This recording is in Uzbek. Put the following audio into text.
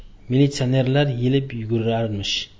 militsionerlar yelib yugurarmish